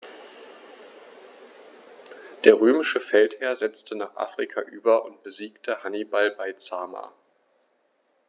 Der römische Feldherr setzte nach Afrika über und besiegte Hannibal bei Zama.